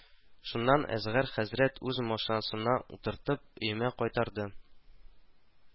Шуннан Әзһәр хәзрәт үз машинасына утыртып, өемә кайтарды